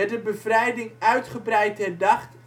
de bevrijding uitgebreid herdacht